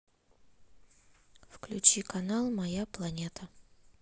включи канал моя планета